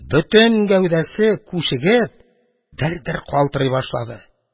Бөтен гәүдәсе, күшегеп, дер-дер калтырый башлады